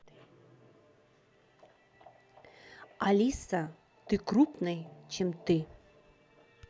алиса ты крупной чем ты